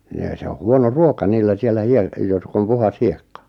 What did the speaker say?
ne se on huono ruoka niillä siellä - jotka on puhdas hiekka